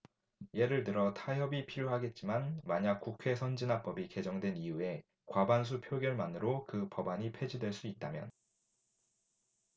예를 들어 타협이 필요하겠지만 만약 국회선진화법이 개정된 이후에 과반수 표결만으로 그 법안이 폐지될 수 있다면